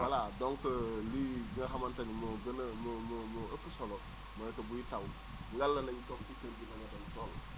voilà donc li nga xamante ni moo gën moo moo moo ëpp solo mooy que buy taw ngalla nañ toog si kër yi bañ a dem tool